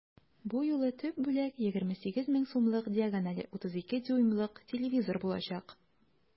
Бу юлы төп бүләк 28 мең сумлык диагонале 32 дюймлык телевизор булачак.